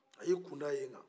a y'i kunda yen kan